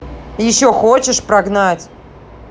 еще хочешь прогнать